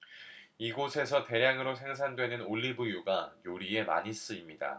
이곳에서 대량으로 생산되는 올리브유가 요리에 많이 쓰입니다